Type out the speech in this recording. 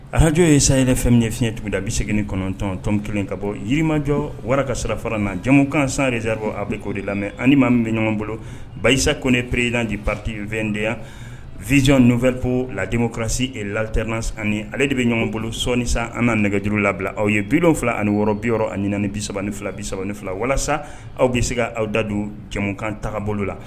A hajo ye sa yɛrɛ fɛn min ye fiɲɛɲɛ tun da bise kɔnɔntɔntɔntu in ka bɔ jiriirimajɔ wara ka sira fara na jamu kan san zeribɔ awbi k'o de lamɛn ani maa min bɛ ɲɔgɔn bolo basa konene pereed de papi2nenya vzyɔn ninnufɛ ko ladenmukarasi e later ani ale de bɛ ɲɔgɔn bolo sɔi san an nɛgɛjuru labila aw ye bi dɔw fila ani wɔɔrɔ biyɔrɔ ani ni bi3 ni fila bisa ni fila walasa aw bɛ se aw da don jɛ kan taga bolo la